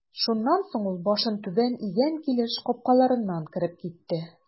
Шуннан соң ул башын түбән игән килеш капкаларыннан кереп китте.